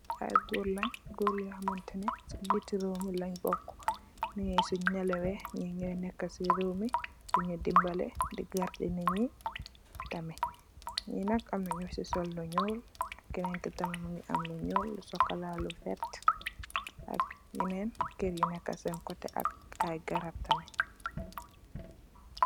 Aiiy gorre len, gorre yohr hamanteh neh cii njjiti rewmi lehn boku, nitt njee sungh neleweh njee njoi neka cii rewmi dii nju dimbaleh, dii gardeh nitt njee tamit, njee nak amna nju cii sol lu njull, kenen kii tamit mungy am lu njull, lu chocolat, lu vertue, ak yenen kerr yu neka sen coteh ak aiiy garab tamit.